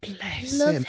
Bless him.